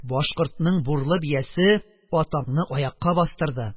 Башкортның бурлы биясе атаңны аякка бастырды,